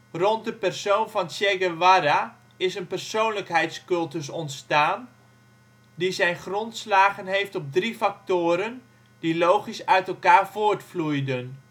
Rond de persoon van Che Guevara is een persoonlijkheidscultus ontstaan die zijn grondslagen heeft op drie factoren, die logisch uit elkaar voortvloeiden. Ten